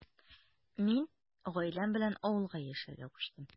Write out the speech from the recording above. Мин гаиләм белән авылга яшәргә күчтем.